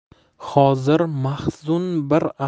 xozir mahzun bir